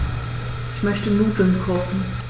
Ich möchte Nudeln kochen.